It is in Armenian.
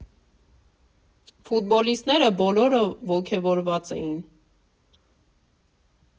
Ֆուտբոլիստները բոլորը ոգևորված էին։